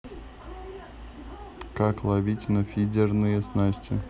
как ловить на фидерные снасти